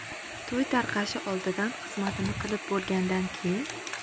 to'y tarqashi oldidan xizmatini qilib bo'lgandan keyin